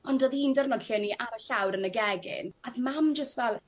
ond o'dd u'n dy'rnod lle o'n i ar y llawr yn y gegin a o'dd mam jyst fel...